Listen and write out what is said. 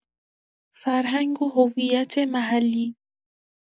فرهنگ و هویت محلی